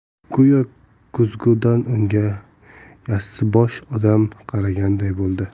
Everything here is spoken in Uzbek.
go'yo ko'zgudan unga yassibosh odam qaraganday bo'ldi